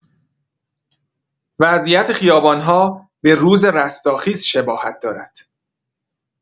وضعیت خیابان‌ها به‌روز رستاخیز شباهت داشت.